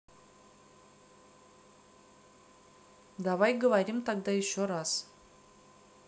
давай говорим тогда еще раз